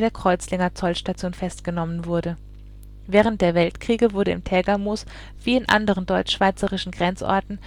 Kreuzlinger Zollstation festgenommen wurde. Während der Weltkriege wurde im Tägermoos wie in anderen deutsch-schweizerischen Grenzorten